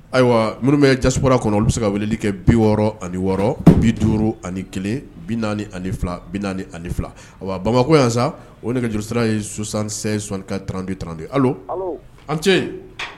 Ayiwa minnu jakurara kɔnɔ u bɛ se ka wuli kɛ bi wɔɔrɔ ani wɔɔrɔ bi duuru ani kelen bi naani ani bi naani ani fila ayiwa babako yansa o ne ka joli sira ye susan sonka trandi trandi an cɛ